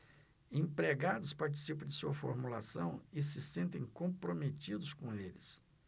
empregados participam da sua formulação e se sentem comprometidos com eles